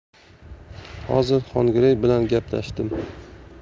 hozir xongirey bilan gaplashdim